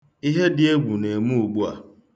Ihe dị egwu na-eme ugbu a.